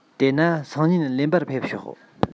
དེ ན སང ཉིན ལེན པར ཕེབས ཤོག